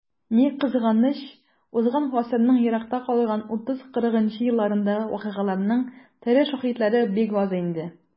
Ни кызганыч, узган гасырның еракта калган 30-40 нчы елларындагы вакыйгаларның тере шаһитлары бик аз инде.